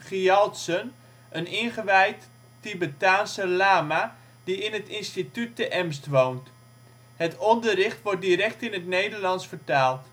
Gyaltsen, een ingewijd Tibetaanse lama die in het Instituut te Emst woont. Het onderricht wordt direct in het Nederlands vertaald.